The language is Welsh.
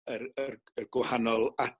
yr yr y gwahanol